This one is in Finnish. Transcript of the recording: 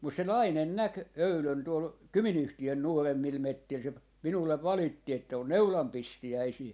mutta se nainen näki eilen tuolla Kymin yhtiön nuoremmilla metsillä se minulle valitti että on neulan pistiäisiä